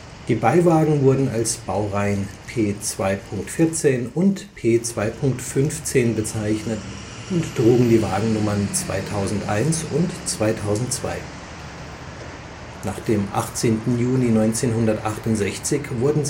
Die Beiwagen wurden als Baureihen p 2.14 und p 2.15 bezeichnet und trugen die Wagennummern 2001 und 2002. Nach dem 18. Juni 1968 wurden